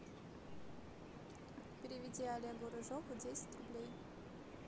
переведи олегу рыжову десять рублей